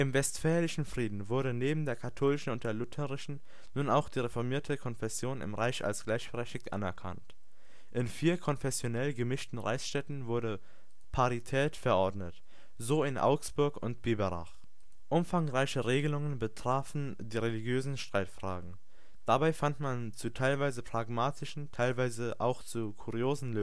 Westfälischen Frieden wurden neben der katholischen und der lutherischen nun auch die reformierte Konfession im Reich als gleichberechtigt anerkannt. In vier konfessionell gemischten Reichsstädten wurde Parität verordnet, so in Augsburg und Biberach. Umfangreiche Regelungen betrafen die religiösen Streitfragen. Dabei fand man zu teilweise pragmatischen, teilweise auch zu kuriosen